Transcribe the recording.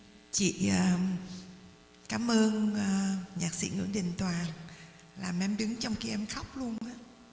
chị cảm ơn nhạc sĩ nguyễn đình toàn làm em đứng trong kia em khóc luôn á